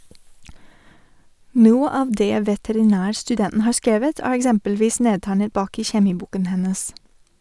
Noe av det veterinærstudenten har skrevet, er eksempelvis nedtegnet bak i kjemiboken hennes.